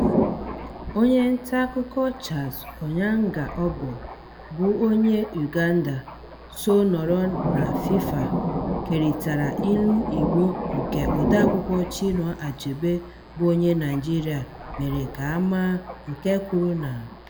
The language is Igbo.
Onye nta akụkọ Charles Onyango-Obbo bụ onye Uganda, so nọrọ na FIFA, kerịtara ilu Igbo nke odeakwụkwọ Chinua Achebe bụ onye Naịjirịa mere ka a maa nke kwuru na: